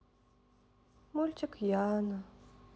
мультик яна